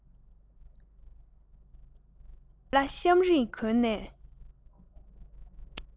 བོད ལྭ ཤམ རིང གྱོན ནས